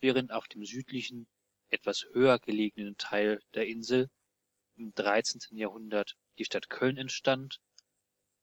Während auf dem südlichen, etwas höher gelegenen Teil der Insel im 13. Jahrhundert die Stadt Cölln entstand,